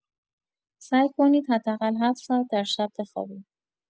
سعی کنید حداقل ۷ ساعت در شب بخوابید.